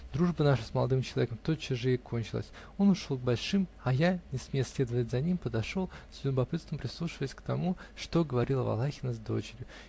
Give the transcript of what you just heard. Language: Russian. Дружба наша с молодым человеком тотчас же и кончилась: он ушел к большим, а я, не смея следовать за ним, подошел, с любопытством, прислушиваться к тому, что говорила Валахина с дочерью.